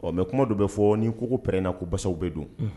Ɔ mɛ kuma dɔ bɛ fɔ n'i ko pɛ in na kosaw bɛ don